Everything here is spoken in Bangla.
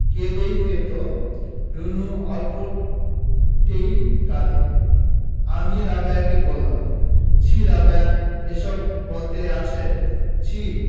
কেঁদেই ফেলতো রুনু অল্পতেই কাঁদে আমি রাবেয়াকে বললাম ছিঃ রাবেয়া এসব বলতে আছে ছিঃ